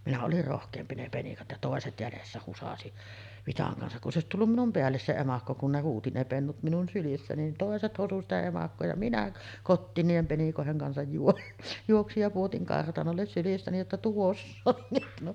minä olin rohkeampi ne penikat ja toiset jäljessä husasi vitsan kanssa kun se olisi tullut minun päälle se emakko kun ne huusi ne pennut minun sylissä niin toiset hosui sitä emakkoa ja minä kotiin niiden penikoiden kanssa - juoksin ja pudotin kartanolle sylistäni jotta tuossa on kehno